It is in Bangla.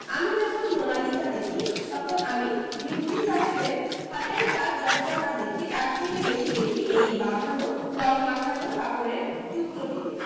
আমি যখন মোনালিসা দেখি তখন আমি ভিঞ্চিসায়েবের হাতের কাজ যতটা না দেখি তার থেকে বেশী দেখি এই বাঁধানো রংমাখানো কাপড়ের টুকরোটিকে